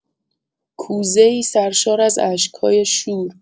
کوزه‌ای سرشار از اشک‌های شور